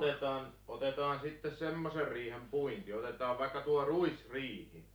otetaan otetaan sitten semmoiset riihen puinti otetaan vaikka tuo ruisriihi